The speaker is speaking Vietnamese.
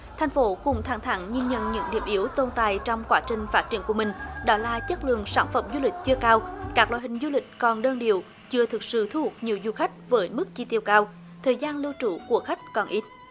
thành phố cũng thẳng thắn nhìn nhận những điểm yếu tồn tại trong quá trình phát triển của mình đó là chất lượng sản phẩm du lịch chưa cao các loại hình du lịch còn đơn điệu chưa thực sự thu hút nhiều du khách bởi mức chi tiêu cao thời gian lưu trú của khách còn ít